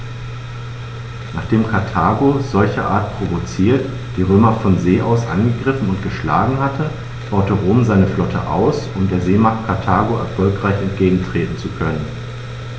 Nachdem Karthago, solcherart provoziert, die Römer von See aus angegriffen und geschlagen hatte, baute Rom seine Flotte aus, um der Seemacht Karthago erfolgreich entgegentreten zu können.